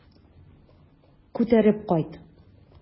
Күтәреп кайт.